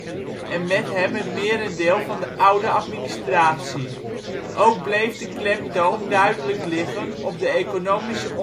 en met hem het merendeel van de oude administratie. Ook bleef de klemtoon duidelijk liggen op de economische